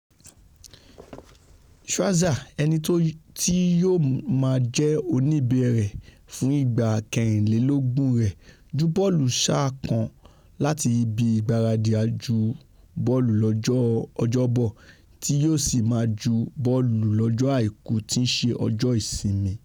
Scherzer, ẹni tí yóò máa jẹ́ oníbẹ̀rẹ̀ fún ìgbà kẹrìnlélọ́gbọ̀n rẹ̀, ju bọ́ọ̀lù sáà kan láti ibi ìgbaradì aju-bọ́ọ̀lù lọ́jọ́ 'Bọ̀ ti yóò sì máa ju bọ́ọ̀lu lọ́jọ́ Àìkú tííṣe ọjọ́ ìsinmi rẹ̀.